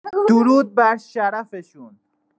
درود بر شرفشون.